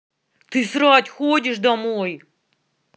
ты срать ходишь домой